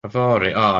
Yfory?